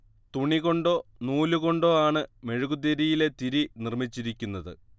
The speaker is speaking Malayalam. തുണി കൊണ്ടോ നൂലുകൊണ്ടോ ആണ് മെഴുകുതിരിയിലെ തിരി നിർമ്മിച്ചിരിക്കുന്നത്